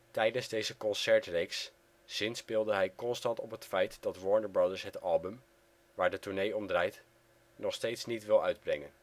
Tijdens deze concertreeks zinspeelde hij constant op het feit dat Warner Bros het album, waar de tournee om draait, nog steeds niet wil uitbrengen